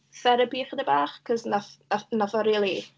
therapi ychydig bach achos wnaeth wnaeth wnaeth o rili...